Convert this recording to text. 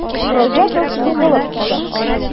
Рәҗәпов егылып төшә.